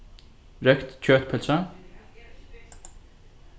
roykt kjøtpylsa